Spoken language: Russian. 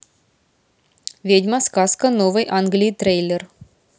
ведьма сказка новой англии трейлер